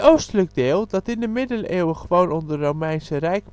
oostelijk deel (dat in de Middeleeuwen gewoon onder Romeinse Rijk